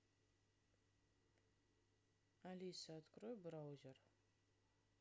алиса открой браузер